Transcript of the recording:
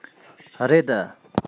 རེད